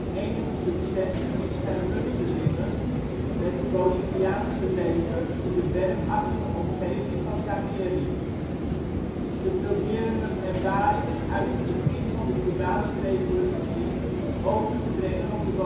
enige successen in schermutselingen met het Boliviaanse leger in de bergachtige omgeving van Cameri. Ze proberen hun ervaringen uit het begin van de Cubaanse revolutie over te brengen op de Bolivianen